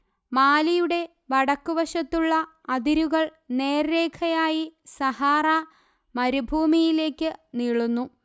മാലിയുടെ വടക്കുവശത്തുള്ള അതിരുകൾ നേർരേഖയായി സഹാറാ മരുഭൂമിയിലേക്ക് നീളുന്നു